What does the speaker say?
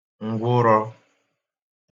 ǹgwụrọ̄